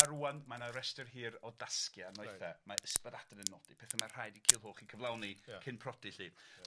A rŵan mae 'na restyr hir o dasgia annoethe, mae Ysbyddaden yn nodi, petha ma' rhaid i Culhwch 'u cyflawni. Ia. Cyn prodi 'lly. Ia.